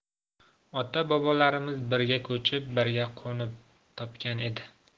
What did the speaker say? ota bobolarimiz birga ko'chib birga qo'nib topgan edi